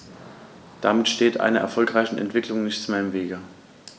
Damit steht einer erfolgreichen Entwicklung nichts mehr im Wege.